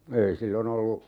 ei silloin ollut